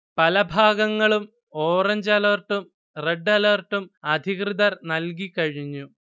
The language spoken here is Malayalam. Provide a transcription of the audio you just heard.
പലഭാഗങ്ങളും ഓറഞ്ച് അലർട്ടും, റെഡ് അലർട്ടും അധികൃതർ നല്കികഴിഞ്ഞു